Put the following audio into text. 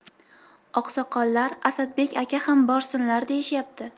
oqsoqollar asadbek aka ham borsinlar deyishyapti